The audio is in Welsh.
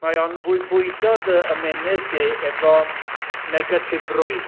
Mae o'n fwy- bwydo dy ymenydd 'di efo negatifrwydd.